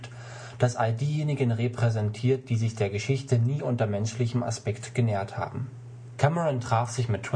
diejenigen repräsentiert, die sich der Geschichte nie unter menschlichem Aspekt genähert haben. Cameron traf sich mit